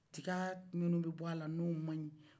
tiga minnu bɛ b'ala nio man ɲi